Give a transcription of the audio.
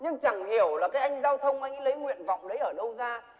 nhưng chẳng hiểu là cái anh giao thông anh lấy nguyện vọng đấy ở đâu ra